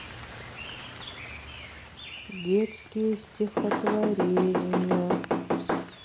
детские стихотворения